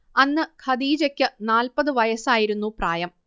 അന്ന് ഖദീജക്ക് നാൽപത് വയസ്സായിരുന്നു പ്രായം